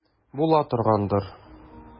Була торгандыр.